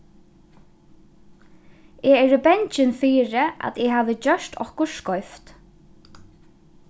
eg eri bangin fyri at eg havi gjørt okkurt skeivt